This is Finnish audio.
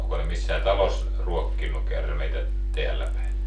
onko ne missään talossa ruokkinut käärmeitä täällä päin